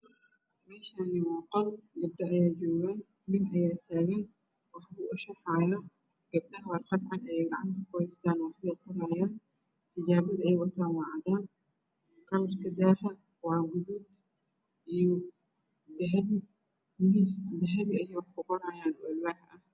Meshani waa qol gabdho ayaa joogan nin ayaa tagan wax usharxaya gabdhaha warqad cad ayeey gacanta ku hestan xijabada ey wataan waa cadan kalarka daaha waa gaduud iyo dahabi miis dahabi ah ayeey wax ku qorayaan oo alwaax ah